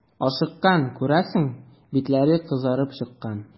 Ашыккан, күрәсең, битләре кызарып чыккан.